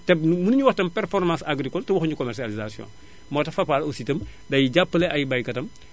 te mënuñu wax tam performance agricole te waxuñu commercialisation moo tax Fapal aussi tam day jàppale ay baykatam